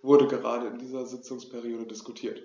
wurde gerade in dieser Sitzungsperiode diskutiert.